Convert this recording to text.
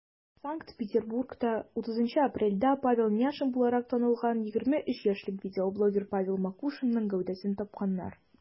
Санкт-Петербургта 30 апрельдә Павел Няшин буларак танылган 23 яшьлек видеоблогер Павел Макушинның гәүдәсен тапканнар.